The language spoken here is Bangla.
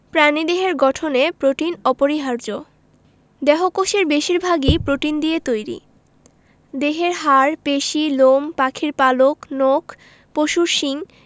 প্রাণীদেহের গঠনে প্রোটিন অপরিহার্য দেহকোষের বেশির ভাগই প্রোটিন দিয়ে তৈরি দেহের হাড় পেশি লোম পাখির পালক নখ পশুর শিং